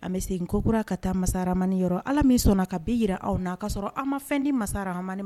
An bɛ segin kokura ka taa mansa arahamani yɔrɔ Ala min sɔnna ka bi jira anw na kasɔrɔ an ma fɛn di mansa arahamani